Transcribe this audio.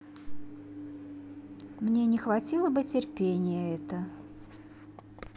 мне не хватило бы терпения это